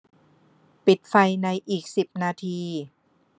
ปิดไฟในอีกสิบนาที